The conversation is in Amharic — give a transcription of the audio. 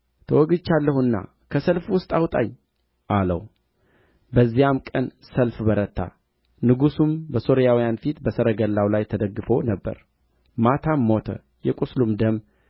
ተወግቻለሁና ከሰልፍ ውስጥ አውጣኝ አለው በዚያም ቀን ሰልፍ በረታ ንጉሡም በሶርያውያን ፊት በሰረገላው ላይ ተደግፎ ነበር ማታም ሞተ የቍስሉም ደም